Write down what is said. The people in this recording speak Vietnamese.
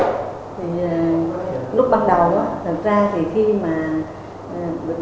lúc ban đầu á thật ra thì khi mà